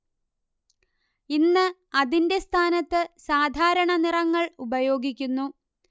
ഇന്ന് അതിന്റെ സ്ഥാനത്ത് സാധാരണ നിറങ്ങൾ ഉപയോഗിക്കുന്നു